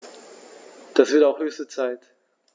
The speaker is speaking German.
Das wird auch höchste Zeit!